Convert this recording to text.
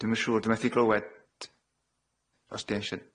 Ie dwi'm yn siŵr dwi methu clywed os di eisio.